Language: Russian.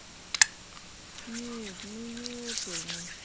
нет ну еперный